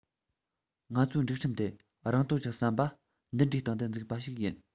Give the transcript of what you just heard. ང ཚོའི སྒྲིག ཁྲིམས དེ རང རྟོགས ཀྱི བསམ པ འདི འདྲའི སྟེང དུ བཙུགས པ ཞིག ཡིན